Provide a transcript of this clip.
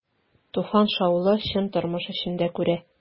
Туфан шаулы, чын тормыш эчендә күрә.